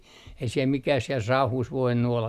ei siellä mikään siellä sauhussa voinut olla